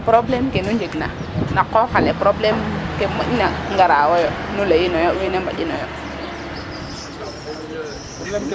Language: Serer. Problème ke nu njegna na qooq ale problème ke moƴna garawoyo nu layi no wiin we mbaƴinooyo.